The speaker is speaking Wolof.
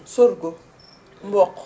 sorgho mboq